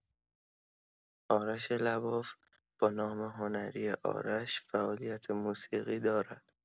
آرش لباف با نام هنری آرش فعالیت موسیقی دارد.